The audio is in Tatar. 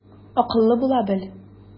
Акыллы була бел.